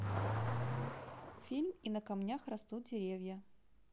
фильм и на камнях растут деревья